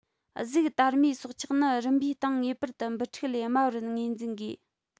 གཟུགས དར མའི སྲོག ཆགས ནི རིམ པའི སྟེང ངེས པར དུ འབུ ཕྲུག ལས དམའ བར ངོས འཛིན དགོས